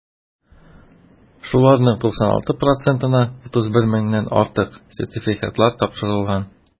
Шуларның 96 процентына (31 меңнән артык) сертификатлар тапшырылган.